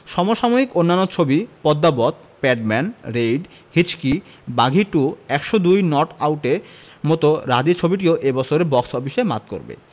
সম সাময়িক অন্যান্য ছবি Padmaavat Padman Raid Hichki Baaghi two ১০২ not আউটের মতো রাজী ছবিটিও এ বছর বক্স অফিস মাত করবে